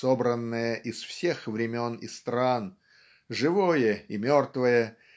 собранное из всех времен и стран живое и мертвое